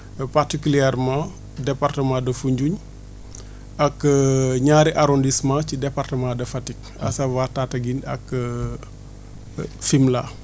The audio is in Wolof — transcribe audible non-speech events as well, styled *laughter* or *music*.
particulièrement département de Foundiougne ak *hesitation* ñaari arrondissement ci département de Fatick à savoir Tataguine ak *hesitation* Fimela